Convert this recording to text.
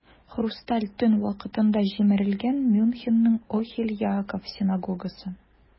"хрусталь төн" вакытында җимерелгән мюнхенның "охель яаков" синагогасы.